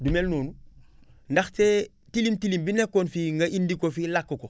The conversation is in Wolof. du mel noonu ndaxte tilim tilim bi nekkoon fii nga indi ko fii lakk ko